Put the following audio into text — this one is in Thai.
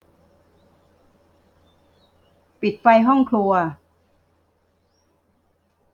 ปิดไฟห้องครัว